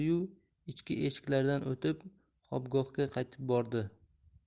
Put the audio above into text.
yu ichki eshiklardan o'tib xobgohga qaytib bordi